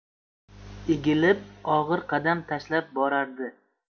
egilib og'ir qadam tashlab borardi